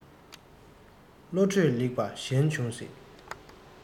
བློ གྲོས ལེགས པ གཞན འབྱུང སྲིད